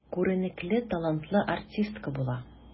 Күренекле, талантлы артистка була.